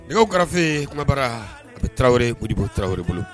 Daga karafe kumabara a bɛ tarawele ko kojugubo tarawele bolo